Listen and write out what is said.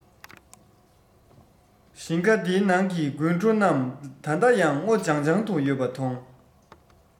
ཞིང ཁ འདིའི ནང གི དགུན གྲོ རྣམས ད ལྟ ཡང སྔོ ལྗང ལྗང དུ ཡོད པ མཐོང